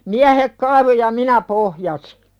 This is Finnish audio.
miehet kaivoi ja minä pohjasin